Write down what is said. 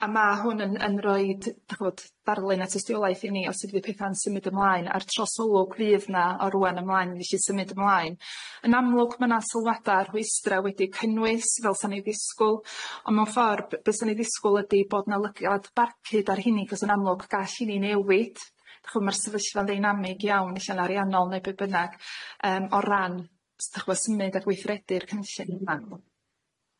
A ma' hwn yn yn roid d'ch'mod darlun at ystiolaeth i ni os ydi pethau'n symud ymlaen a'r trosolwg fydd 'na o rŵan ymlaen nes i symud ymlaen, yn amlwg ma' 'na sylwada' rhwystra' wedi cynnwys fel sa'n i ddisgwl ond mewn ffor' be' sa'n i ddisgwl ydi bod 'na lygaid barcud ar heinny 'c'os yn amlwg gall heinny newid d'ch'mo' ma'r sefyllfa'n ddynamig iawn ella'n ariannol neu be' bynnag, yym o ran s- d'ch'mod symud a gweithredu'r cynllun yma.